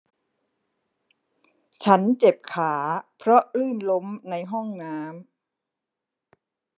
ฉันเจ็บขาเพราะลื่นล้มในห้องน้ำ